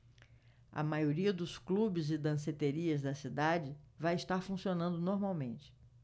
a maioria dos clubes e danceterias da cidade vai estar funcionando normalmente